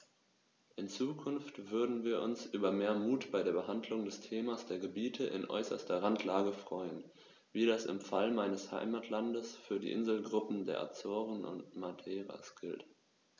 In Zukunft würden wir uns über mehr Mut bei der Behandlung des Themas der Gebiete in äußerster Randlage freuen, wie das im Fall meines Heimatlandes für die Inselgruppen der Azoren und Madeiras gilt.